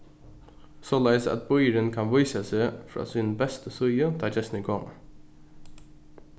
soleiðis at býurin kann vísa seg frá síni bestu síðu tá gestirnir koma